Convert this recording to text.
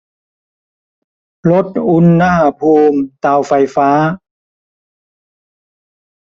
ลดอุณหภูมิเตาไฟฟ้า